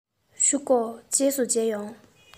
བཞུགས དགོས རྗེས སུ མཇལ ཡོང